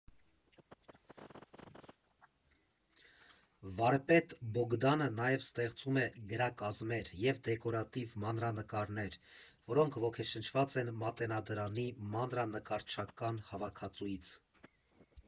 Վարպետ Բոգդանը նաև ստեղծում է գրակազմեր և դեկորատիվ մանրանկարներ, որոնք ոգեշնչված են Մատենադարանի մանրանկարչական հավաքածուից։